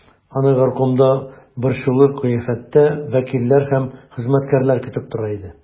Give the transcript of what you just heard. Аны горкомда борчулы кыяфәттә вәкилләр һәм хезмәткәрләр көтеп тора иде.